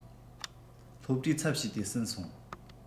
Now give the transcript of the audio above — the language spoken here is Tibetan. སློབ གྲྭའི ཚབ བྱས ཏེ ཟིན སོང